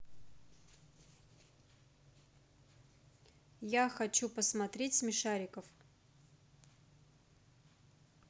я хочу посмотреть смешариков